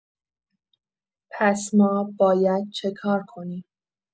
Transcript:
پس ما باید چه‌کار کنیم؟